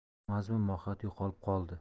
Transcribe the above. mazmun mohiyati yo'qolib qoldi